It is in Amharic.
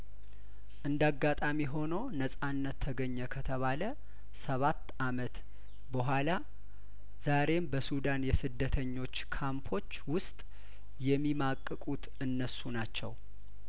እንዳጋጣሚ ሆኖ ነጻነት ተገኘ ከተባለ ሰባት አመት በኋላ ዛሬም በሱዳን የስደተኞች ካምፖች ውስጥ የሚማቅቁት እነሱ ናቸው